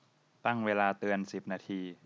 ตั้งเวลาเตือนสิบนาที